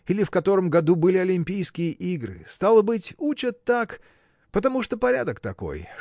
или в котором году были олимпийские игры, стало быть, учат так. потому что порядок такой!